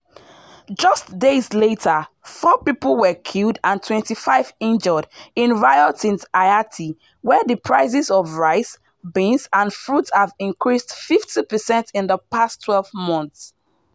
Just days later, four people were killed and 25 injured in riots in Haiti, where the prices of rice, beans, and fruit have increased 50% in the past 12 months.